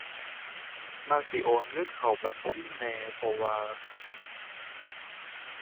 มักสิโอนเงินเข้าบัญชีแม่ เพราะว่า